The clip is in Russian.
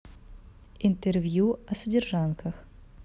интервью о содержанках